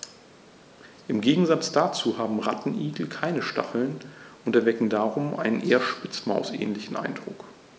Im Gegensatz dazu haben Rattenigel keine Stacheln und erwecken darum einen eher Spitzmaus-ähnlichen Eindruck.